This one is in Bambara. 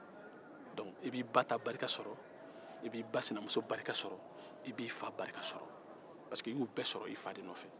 dɔnku i b'i ba ka barika sɔrɔ k'i ba sinamuso barika sɔrɔ k'i fa barika sɔrɔ sabu i bɛɛ sɔrɔ fa de nɔfɛ